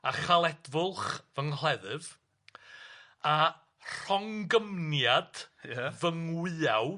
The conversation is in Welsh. a chaledfwlch fy nghleddyf a rhongymniad ia fy ngwyaw.